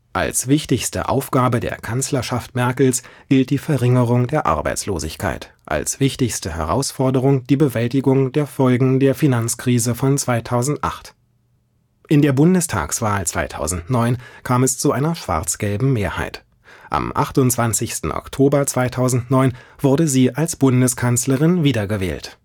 Als wichtigste Aufgabe der Kanzlerschaft Merkels gilt die Verringerung der Arbeitslosigkeit, als wichtigste Herausforderung die Bewältigung der Folgen der Finanzkrise von 2008. In der Bundestagswahl 2009 kam es zu einer schwarz-gelben Mehrheit. Am 28. Oktober 2009 wurde sie als Bundeskanzlerin wiedergewählt